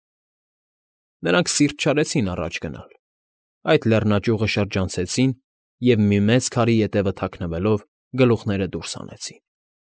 Նրանք սիրտ չարեցին առաջ գնալ, այլ լեռնաճյուղը շրջանցեցին և, մի մեծ քարի ետևը թաքնվելով, գլուխները դուրս հանեցին։